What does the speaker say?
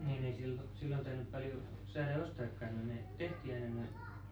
niin ei silloin silloin tainnut paljon saada ostaakaan kun ne tehtiin aina noin